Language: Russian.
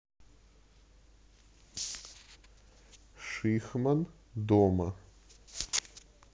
шихман дома